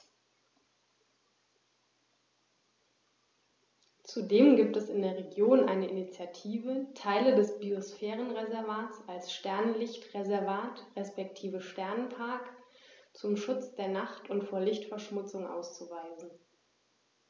Zudem gibt es in der Region eine Initiative, Teile des Biosphärenreservats als Sternenlicht-Reservat respektive Sternenpark zum Schutz der Nacht und vor Lichtverschmutzung auszuweisen.